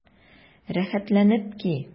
Рәхәтләнеп ки!